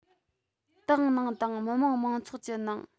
ཏང ནང དང མི དམངས མང ཚོགས ཀྱི ནང